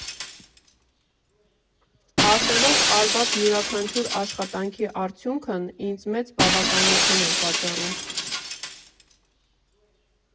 Ասեղով արված յուրաքանչյուր աշխատանքի արդյունքն ինձ մեծ բավականություն էր պատճառում։